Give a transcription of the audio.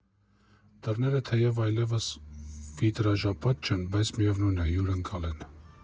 Դռները թեև այլևս վիտրաժապատ չեն, բայց միևնույն է՝ հյուրընկալ են։